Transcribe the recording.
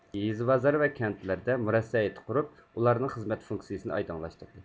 يېزا بازار ۋە كەنتلەردە مۇرەسسە ھەيئىتى قۇرۇپ ئۇلارنىڭ خىزمەت فۇنكسىيىسىنى ئايدىڭلاشتۇردى